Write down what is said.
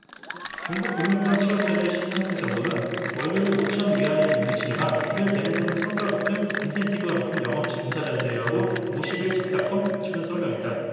중국 금융권 취업자들의 십 퍼센트 정도는 월급이 오천 위안에 못 미치지만 이들 대부분은 성과급 등 인센티브가 높은 영업직 종사자들이라고 오십 일 잡닷컴 측은 설명했다